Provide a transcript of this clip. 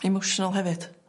emotional hefyd.